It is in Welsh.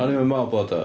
O'n i'm yn meddwl bod o.